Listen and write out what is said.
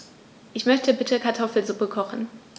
Ich möchte bitte Kartoffelsuppe kochen.